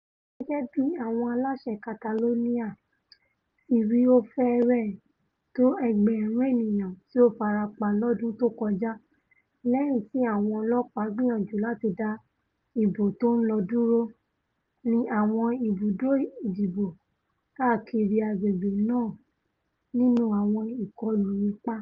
Gẹ́gẹ́bí àwọn aláṣẹ Catalonia ti wí ó fẹ́rẹ̀ tó ẹgbẹ̀rún ènìyàn tí ó farapa lọ́dún tó kọjá lẹ́yìn tí àwọn ọlọ́ọ̀pá gbìyànjú láti dá ìbò tó ńlọ dúró ní àwọn ibùdó ìdìbò káàkiri agbègbè̀̀ náà nínú àwọn ìkọlù ipá.